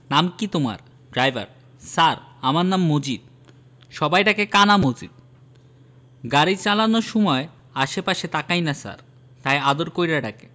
নাম কি তোমার ড্রাইভার ছার আমার নাম মজিদ সবাই ডাকে কানা মজিদ গাড়ি চালানের সুমায় আশে পাশে তাকাইনা ছার তাই আদর কইরা ডাকে